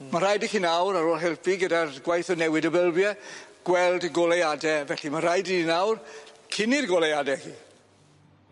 Ma' raid i chi nawr ar ôl helpu gyda'r gwaith o newid y bylbie gweld y goleuade felly ma' raid i ni nawr cynnu'r goleuade chi.